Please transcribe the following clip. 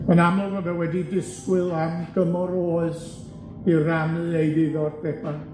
Yn amlw ma' fe wedi disgwyl am gymor oes i rannu ei ddiddordebau.